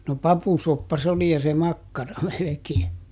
no papusoppa se oli ja se makkara melkein